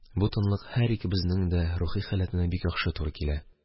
Бу тынлык һәр икебезнең дә рухи халәтенә бик яхшы туры килә,